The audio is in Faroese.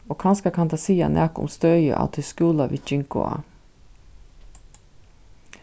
og kanska kann tað siga nakað um støðið á tí skúla vit gingu á